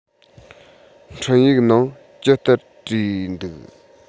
འཕྲིན ཡིག ནང ཅི ལྟར བྲིས འདུག